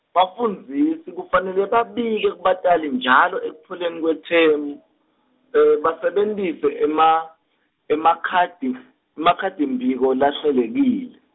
bafundzisi kufanele babike kubatali njalo ekupheleni kwethemu, basebentise ema- emakhadi, emakhadimbiko lahlelekile.